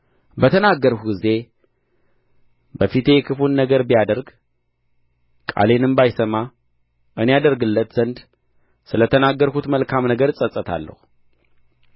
በተናገርሁ ጊዜ በፊቴ ክፉን ነገር ቢያደርግ ቃሌንም ባይሰማ እኔ አደርግለት ዘንድ ስለ ተናገርሁት መልካም ነገር እጸጸታለሁ